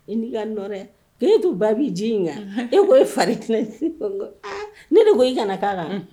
I bi ka n nɔ dɛ. Ka e to babi ji in kan , e ko i fari , ne de ko i ka na ka kan?